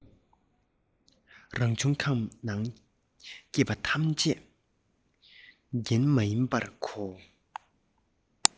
རང བྱུང ཁམས ནང སྐྱེས པ ཐམས ཅད རྫུན མ མིན པར གོ